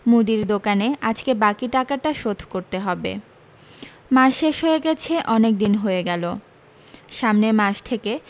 মুদির দোকানে আজকে বাকী টাকাটা শোধ করতে হবে মাস শেষ হয়ে গেছে অনেক দিন হয়ে গেল সামনের মাস থেকে